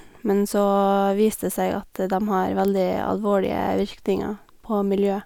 Men så viser det seg at dem har veldig alvorlige virkninger på miljøet.